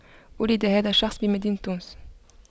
ولد هذا الشخص بمدينة تونس